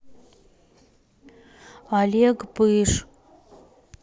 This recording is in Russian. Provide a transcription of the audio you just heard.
олег пыж